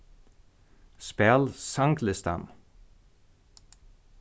spæl sanglistan